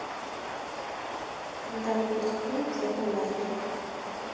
когда выпускной в заполярье